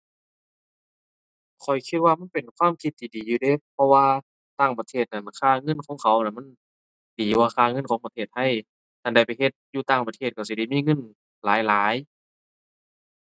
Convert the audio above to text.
ข้อยคิดว่ามันเป็นความคิดที่ดีอยู่เดะ เพราะว่าต่างประเทศน่ะมัน ค่าเงินของเขาน่ะมัน ดีกว่าค่าเงินของประเทศไทย ถ้าได้ไปเฮ็ดอยู่ต่างประเทศก็สิได้มีเงินหลายหลาย